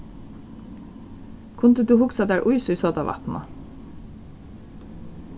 kundi tú hugsað tær ís í sodavatnina